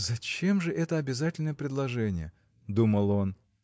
Зачем же это обязательное предложение? – думал он.